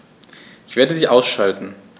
Ich werde sie ausschalten